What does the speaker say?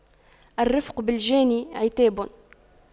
الرفق بالجاني عتاب